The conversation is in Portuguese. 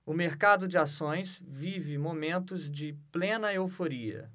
o mercado de ações vive momentos de plena euforia